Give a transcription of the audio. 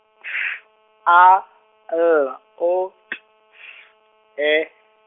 F A L O T S E.